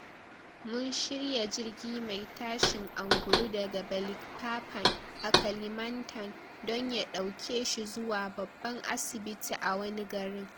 Mun shirya jirgi mai tashin angulu daga Balikpapan a Kalimantan don ya dauke shi zuwa babban asibiti a wani garin.